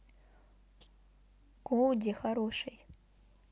коуди хороший